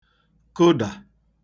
kụdà